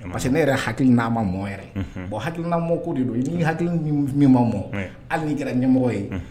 Parce que ne yɛrɛ hakili n'a ma mɔ yɛrɛ. Unhun. Bon hakilina mɔ ko de don n'i hakili ni min ma mɔ. Un. Hali n'i kɛra ɲɛmɔgɔ ye. Un